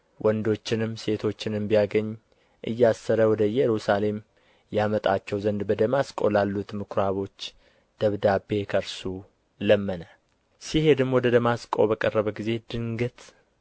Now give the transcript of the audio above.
ወንዶችንም ሴቶችንም ቢያገኝ እያሰረ ወደ ኢየሩሳሌም ያመጣቸው ዘንድ በደማስቆ ላሉት ምኵራቦች ደብዳቤ ከእርሱ ለመነ ሲሄድም ወደ ደማስቆ በቀረበ ጊዜ ድንገት